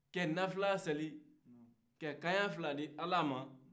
ka nafila seli ka kanɲa fila di ala ma